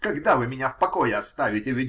Когда вы меня в покое оставите?